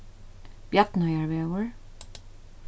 bjarnoyarvegur